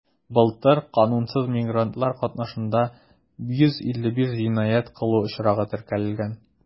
Былтыр канунсыз мигрантлар катнашлыгында 155 җинаять кылу очрагы теркәлгән.